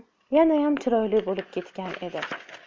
yanayam chiroyli bo'lib ketgan edi